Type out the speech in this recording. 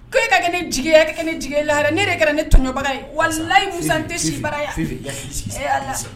Ko e ka kɛ ne jigi kɛ ne jigi la ne yɛrɛ ne tɔɔnbara ye walilayi musan tɛ bara